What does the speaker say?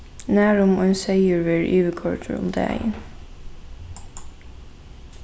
nærum ein seyður verður yvirkoyrdur um dagin